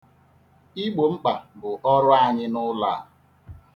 Igbo mkpa bụ ọrụ anyị n'ụlọ a.